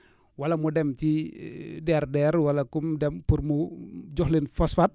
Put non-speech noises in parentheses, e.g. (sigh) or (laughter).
wala mu dem ci (hesitation) DRDR wala ku mu dem pour mu jox leen phosphate